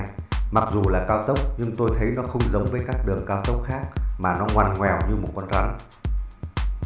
mặc dù là cao tốc nhưng tôi thấy nó không giống với các đường cao tốc khác mà nó ngoằn ngoèo như một con rắn